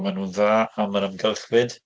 Maen nhw'n dda am yr amgylchfyd.